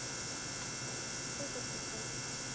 че за прикол